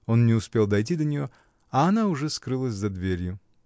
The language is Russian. Он не успел дойти до нее, а она уже скрылась за дверью.